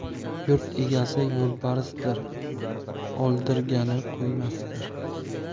yurt egasi yo'lbarsdir oldirgani qo'ymasdir